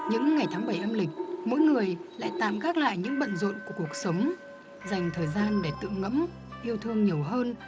những ngày tháng bảy âm lịch mỗi người lại tạm gác lại những bận rộn của cuộc sống dành thời gian để tự ngẫm yêu thương nhiều hơn